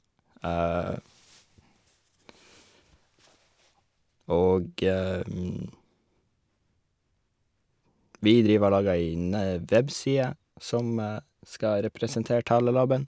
Og vi driver og lager en web-side som skal representere tale-laben.